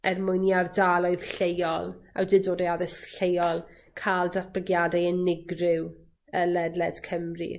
er mwyn i ardaloedd lleol, awdurdodau addysg lleol ca'l datblygiadau unigryw yy ledled Cymru.